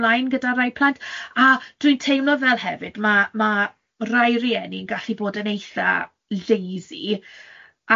ymlaen gyda rai plant, a dwi'n teimlo fel hefyd ma' ma' rai rieni'n gallu bod yn eitha' lazy,